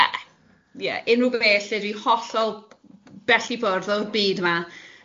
Ie, ie unrhyw beth lle dwi'n hollol bell i bwrdd o'r byd yma.